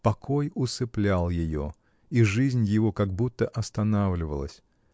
Покой усыплял ее — и жизнь его как будто останавливалась.